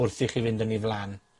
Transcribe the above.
wrth i chi fynd yn 'i flan.